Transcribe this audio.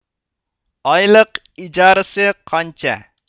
ئايلىق ئىجارىسى قانچە